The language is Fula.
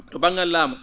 to ba?ngal laamu